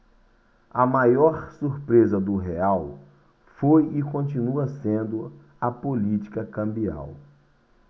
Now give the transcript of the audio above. a maior surpresa do real foi e continua sendo a política cambial